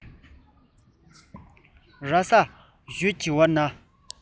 ར ས ཞོལ གྱི བར ན